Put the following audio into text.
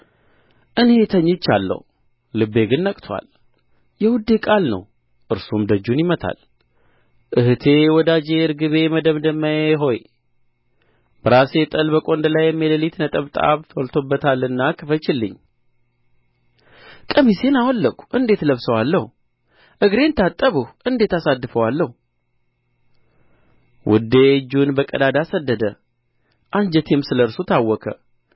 እኔ ተኝቻለሁ ልቤ ግን ነቅቶአል የውዴ ቃል ነው እርሱም ደጁን ይመታል እኅቴ ወዳጄ ርግቤ መደምደሚያዬ ሆይ በራሴ ጠል በቈንዳላዬም የሌሊት ነጠብጣብ ሞልቶበታልና ክፈችልኝ ቀሚሴን አወለቅሁ እንዴት እለብሰዋለሁ እግሬን ታጠብሁ እንዴት አሳድፈዋለሁ ውዴ እጁን በቀዳዳ ሰደደ አንጀቴም ስለ እርሱ ታወከ